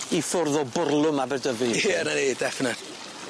I ffwrdd o bwrlwm Aberdyfi? Ie, 'na ni, definate.